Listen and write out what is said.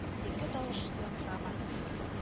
– элекке тавыш яңгырамады